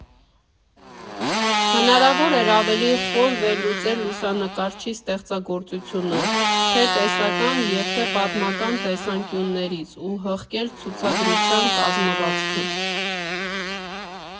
Հնարավոր էր ավելի խոր վերլուծել լուսանկարչի ստեղծագործությունը՝ թե տեսական և թե պատմական տեսանկյուններից ու հղկել ցուցադրության կազմվածքը։